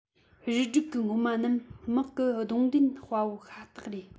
རུ སྒྲིག གི སྔོན མ རྣམས དམག གི གདོང ལེན དཔའ བོ ཤ སྟག རེད